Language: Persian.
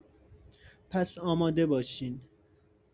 پس آماده باشین.